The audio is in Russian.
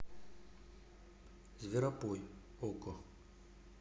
зверопой окко